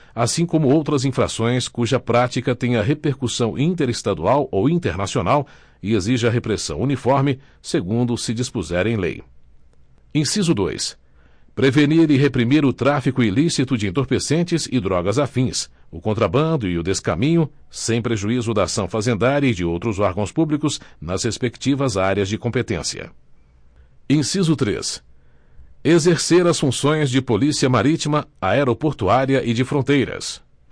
assim como outras infrações cuja prática tenha repercussão interestadual ou internacional e exija repressão uniforme segundo se dispuser em lei inciso dois prevenir e reprimir o tráfico ilícito de entorpecentes e drogas afins o contrabando e o descaminho sem prejuízo da ação fazendária e de outros órgãos públicos nas respectivas áreas de competência inciso três exercer as funções de polícia marítima aeroportuária e de fronteiras